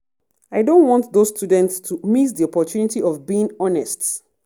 I don’t want those students to miss the opportunity of being honest.